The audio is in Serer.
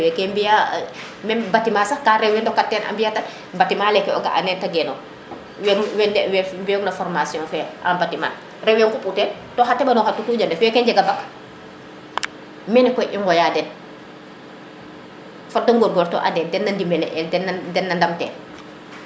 wake mbiya batiment sax ka rewe ndokaten a mbiya tan batiment neke o ga a neke te genoox weke we fiyo gina formation fe a batiment rewe ŋup u ten to xa teɓanoŋ xa tutuño feke njega Bac mene koy i ŋoya den fat i ngor goor lu to ande tena ndibale el dena ndam tel